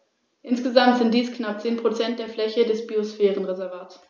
Pergamon wurde durch Erbvertrag zur römischen Provinz.